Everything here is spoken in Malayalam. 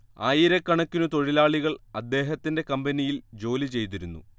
ആയിരക്കണക്കിനു തൊഴിലാളികൾ അദ്ദേഹത്തിന്റെ കമ്പനിയിൽ ജോലി ചെയ്തിരുന്നു